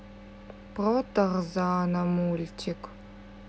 про тарзана мультик